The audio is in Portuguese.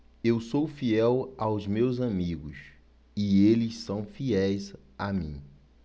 eu sou fiel aos meus amigos e eles são fiéis a mim